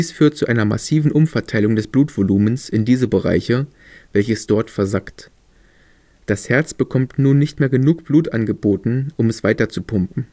führt zu einer massiven Umverteilung des Blutvolumens in diese Bereiche, welches dort " versackt ". Das Herz bekommt nun nicht mehr genug Blut angeboten, um es weiter zu pumpen